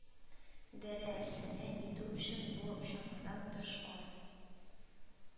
Дәрә әсенә итү өчен бу чамадан тыш аз